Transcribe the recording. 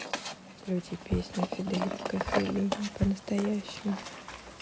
включи песню федерико фелини по настоящему